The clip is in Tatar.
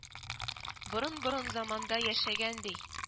Борын-борын заманда яшәгән, ди